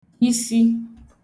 isi